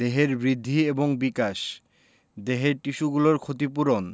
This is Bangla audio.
দেহের বৃদ্ধি এবং বিকাশ দেহের টিস্যুগুলোর ক্ষতি পূরণ